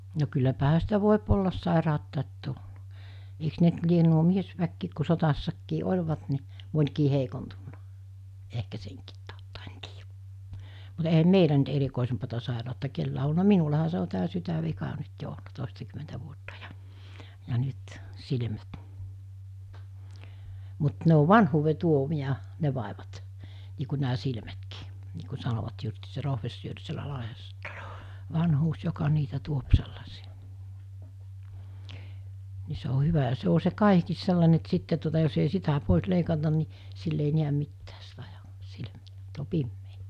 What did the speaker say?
no kylläpähän sitä voi olla sairautta tullut eikös ne nyt lie nuo miesväkikin kun sodassakin olivat niin monikin heikontunut ehkä senkin tautta en tiedä mutta eihän meillä nyt erikoisempaa sairautta kenelläkään ole ollut minullahan se on tämä sydänvika nyt jo ollut toistakymmentä vuotta jo ja nyt silmät mutta ne on vanhuuden tuomia ne vaivat niin kuin nämä silmätkin niin kun sanoivat justiin se professori siellä Lahdessa että se on vanhuus joka niitä tuo sellaisia niin se on hyvä ja se on se kaihikin sellainen että sitten tuota jos ei sitä pois leikata niin sillä ei näe mitään -- silmät on pimeät